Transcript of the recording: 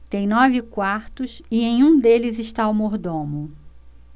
tem nove quartos e em um deles está o mordomo